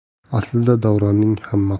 aslida davronning ham